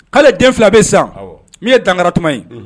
K'ale den fila bɛ san min ye dankararatuma ye